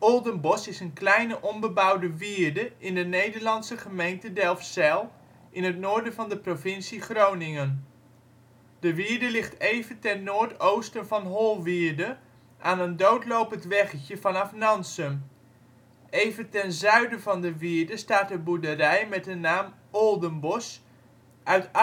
Oldenbosch is een kleine onbebouwde wierde in de Nederlandse gemeente Delfzijl in het noorden van de provincie Groningen. De wierde ligt even ten noordoosten van Holwierde, aan een doodlopend weggetje vanaf Nansum. Even ten zuiden van de wierde staat een boerderij met de naam Oldenbosch uit